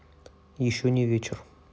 еще не вечер